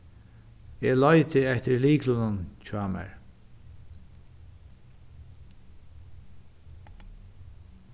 eg leiti eftir lyklunum hjá mær